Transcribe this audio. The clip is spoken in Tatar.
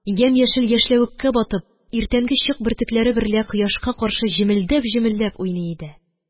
Ямь-яшел яшьләвеккә батып, иртәнге чык бөртекләре берлә кояшка каршы җемелдәп-җемелдәп уйный иде.